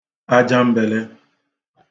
ajambēlē